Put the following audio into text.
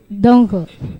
Don kan